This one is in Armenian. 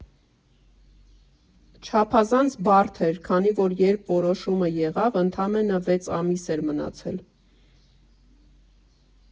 Չափազանց բարդ էր, քանի որ երբ որոշումը եղավ, ընդամենը վեց ամիս էր մնացել։